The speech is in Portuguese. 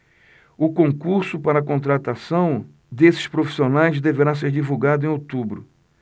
o concurso para contratação desses profissionais deverá ser divulgado em outubro